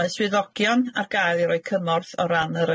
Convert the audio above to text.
Mae swyddogion ar gael i roi cymorth o ran yr